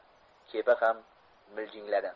kepa ham miljingladi